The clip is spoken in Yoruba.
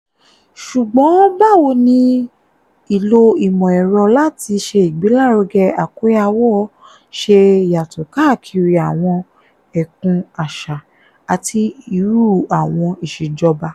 Ṣùgbọ́n báwo ni ìlò ìmọ̀-ẹ̀rọ láti ṣe ìgbélárugẹ àkóyawọ́ ṣe yàtọ̀ káàkiri àwọn ẹkùn, àṣà, àti irú àwọn ìṣèjọba?